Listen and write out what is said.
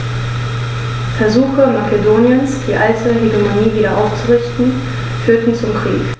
Versuche Makedoniens, die alte Hegemonie wieder aufzurichten, führten zum Krieg.